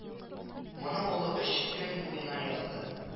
Моны ул өч көн буена язды